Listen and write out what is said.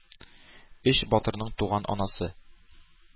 Өч батырның туган анасы.